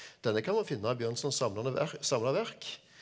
denne kan man finne i Bjørnson samlende verk samla verk.